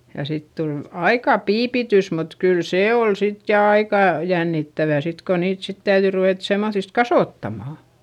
ja sitten tuli aika piipitys mutta kyllä se oli sitten ja aika jännittävää sitten kun niitä sitten täytyi ruveta semmoisista kasvattamaan